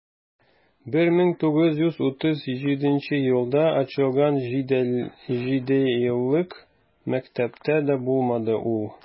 1937 елда ачылган җидееллык мәктәптә дә булмады ул.